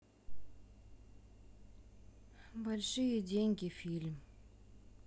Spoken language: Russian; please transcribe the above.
большие деньги фильм